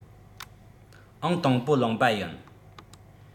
ཨང དང པོ བླངས པ ཡིན